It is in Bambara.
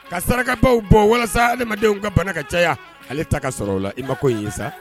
Ka sarakabaw bɔ walasa adamadenw ka bana ka caya , ale ta ka sɔrɔ o la; i ma kow ye sa!